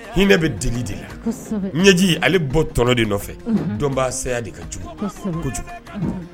Hinɛ bɛ deli de la ɲɛji ale bɔ tɔnɔ de dɔn' saya de ka jo kojugu